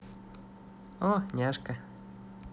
она няшка